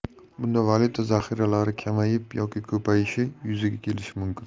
bunda valyuta zaxiralari kamayib yoki ko'payishi yuzaga kelishi mumkin